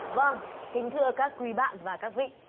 vâng kính thưa các quý bạn và các vị